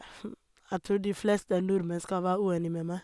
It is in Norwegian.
Jeg tror de fleste nordmenn skal være uenig med meg.